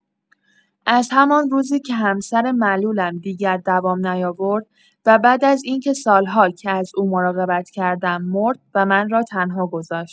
از همان روزی که همسر معلولم دیگر دوام نیاورد و بعد از این‌که سال‌ها که از او مراقبت کردم، مرد و من را تنها گذاشت.